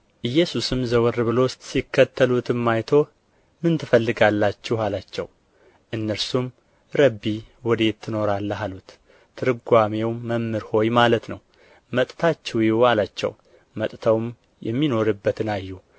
ኢየሱስም ዘወር ብሎ ሲከተሉትም አይቶ ምን ትፈልጋላችሁ አላቸው እነርሱም ረቢ ወዴት ትኖራለህ አሉት ትርጓሜው መምህር ሆይ ማለት ነው መጥታችሁ እዩ አላቸው መጥተው የሚኖርበትን አዩ